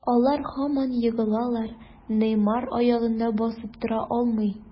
Алар һаман егылалар, Неймар аягында басып тора алмый.